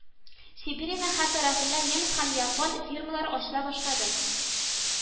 Сибириянең һәр тарафында немец һәм япон фирмалары ачыла башлады